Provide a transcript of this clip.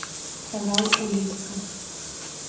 канал улитка